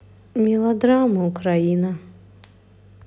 мелодрамы украина